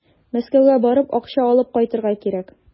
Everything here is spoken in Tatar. Мәскәүгә барып, акча алып кайтырга кирәк.